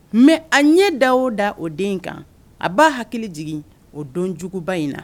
Mɛ a ɲɛ da o da o den kan a b'a hakili jigin o don jugujuguba in na